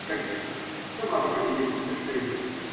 Конечно, в самообороне есть утешение.